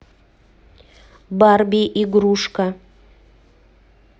барби игрушка